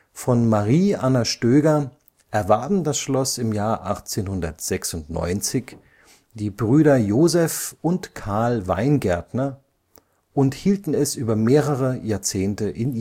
Von Marie Anna Stöger erwarben das Schloss 1896 die Brüder Josef und Karl Weingärtner und hielten es über mehrere Jahrzehnte in